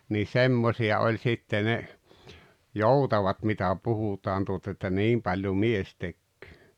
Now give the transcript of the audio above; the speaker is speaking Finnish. niin semmoisia oli sitten ne joutavat mitä puhutaan tuota että niin paljon mies tekee